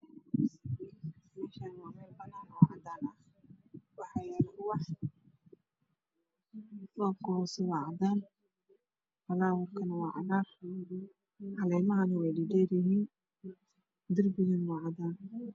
Meshan waa mel banana ah oo cadan ah waxa yalo ubax dhubka hose waa cadan falawarkan waa cagar calemahan wey dheeryhin darbigan waa cadan